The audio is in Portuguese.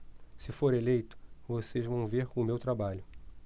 se for eleito vocês vão ver o meu trabalho